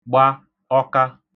gba ọka